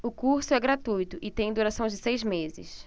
o curso é gratuito e tem a duração de seis meses